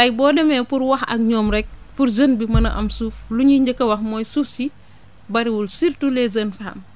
tey boo demee pour wax ak ñoom rek pour jeune bi mën a am suuf lu ñuy njëkk a wax mooy suuf si bëriwul surtout les jeunes femmes